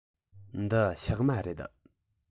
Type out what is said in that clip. འདི ཕྱགས མ རེད